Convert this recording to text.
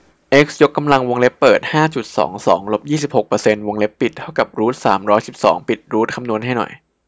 เอ็กซ์ยกกำลังวงเล็บเปิดห้าจุดสองสองลบยี่สิบหกเปอร์เซนต์วงเล็บปิดเท่ากับรูทสามร้อยสิบสองจบรูทคำนวณให้หน่อย